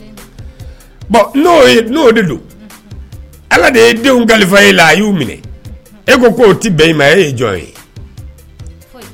Ala de denw kalifa e a y' minɛ e ko tɛ ma e ye jɔn ye